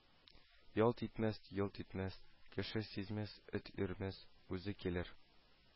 Ялт итмәс, йолт итмәс, Кеше сизмәс, эт өрмәс, Үзе килер